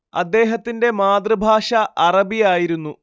അദ്ദേഹത്തിന്റെ മാതൃഭാഷ അറബി ആയിരുന്നു